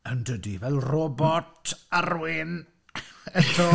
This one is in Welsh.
Yn dydy, fel Robot Arwyn eto.